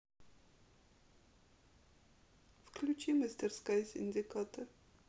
включи мастерская синдиката